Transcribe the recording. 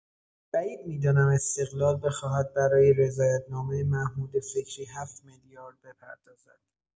بعید می‌دانم استقلال بخواهد برای رضایت‌نامه محمود فکری ۷ میلیارد بپردازد!